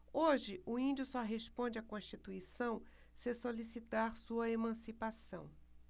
hoje o índio só responde à constituição se solicitar sua emancipação